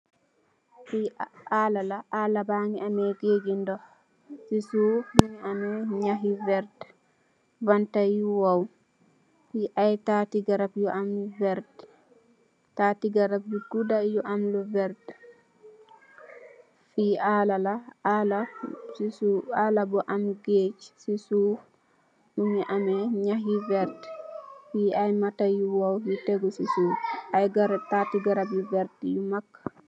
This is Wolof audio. Fi ala la. Ala bangi ameh gaiji ndoh ci soof mungi ameh nyah yu verti, banta yu wow ak ay tati garab yu am verti. Tati garab yu gudaa yu am lu verti. Fi ala la ala bu am gaij ci soof. Mungi ameh nyah yu verti ak ay mata yu wow teku ci soof. Tati garab yu am verti yu mak.